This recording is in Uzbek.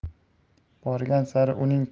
borgan sari uning